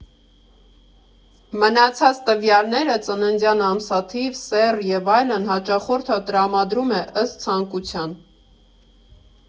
Մնացած տվյալները՝ ծննդյան ամսաթիվ, սեռ և այլն, հաճախորդը տրամադրում է ըստ ցանկության։